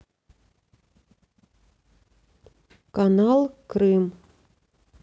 канал крым